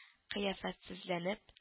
Кыяфәтсезләнеп